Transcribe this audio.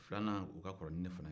filanan o ka kɔrɔ ni ne fana ye